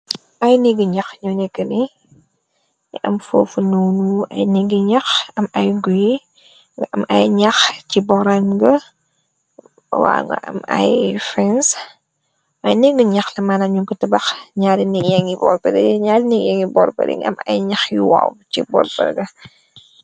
Ay neegi ñax nyu nekka ni yi am foofu noonuyu ay neegi ñax am ay gui nga am ay ñax ci borang wa nga am y fence ay niggu ñax la mëna ñu go té bax ñaari ni yangi borbari ñaari ni yangi borbari nga am ay ñax yu waw ci borbale.